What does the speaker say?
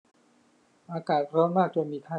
อากาศร้อนมากจนมีไข้